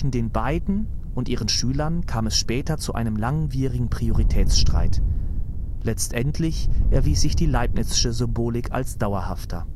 den beiden und ihren Schülern kam es später zu einem langwierigen Prioritätsstreit. Letztendlich erwies sich die Leibnizsche Symbolik als dauerhafter